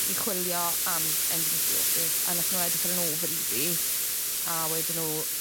i chwilio am endometriosis a nethon nw edrych ar 'yn ovaries i a wedon nw